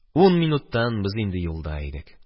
Ун минуттан без инде юлда идек